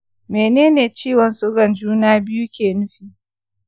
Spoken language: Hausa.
mene ne ciwon sugan juna-biyu ke nufi?